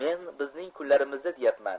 men bizning kunlarimizda deyapman